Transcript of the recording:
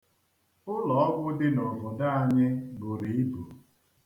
Ụlọọgwụ dị n'obodo anyị buru ibu.